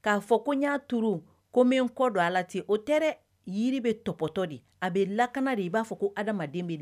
K'a fɔ ko n y'a to ko min kɔ don ala ten o tɛ yiri bɛ tɔɔptɔ di a bɛ lakana de i b'a fɔ ko hadamaden